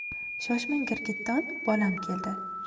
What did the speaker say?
shoshmang girgitton bolam keldi